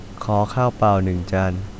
ขอข้าวเปล่าหนึ่งจาน